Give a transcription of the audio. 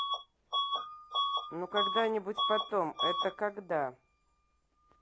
ну когда нибудь потом это когда